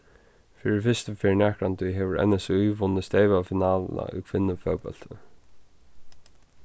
fyri fyrstu ferð nakrantíð hevur nsí vunnið steypafinaluna í kvinnufótbólti